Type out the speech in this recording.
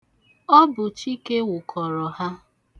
Ọ bụ Chike wụkọrọ ha.